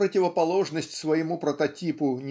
в противоположность своему прототипу